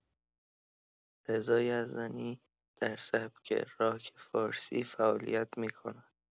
رضا یزدانی در سبک راک فارسی فعالیت می‌کند.